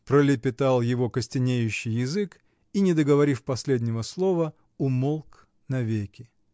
",-- пролепетал его коснеющий язык и, не договорив последнего слова, умолк навеки.